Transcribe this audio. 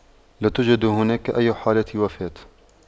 لا توجد هناك أي حالة وفاة